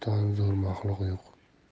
zo'r maxluq yo'q